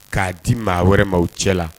K'a di maa wɛrɛma o cɛla la